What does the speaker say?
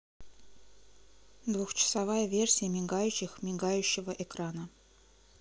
двухчасовая версия мигающих мигающего экрана